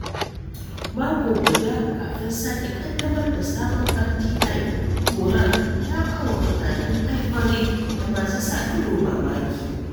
Mako guda kafin sake ƙaddamar da sabon RTI, korar ta ba wa mutanen Ivory da masu sa ido mamaki.